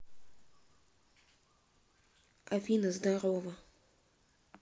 афина здарова